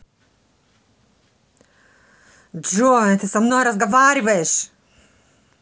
джой ты со мной разговариваешь